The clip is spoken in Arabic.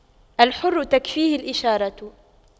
الحر تكفيه الإشارة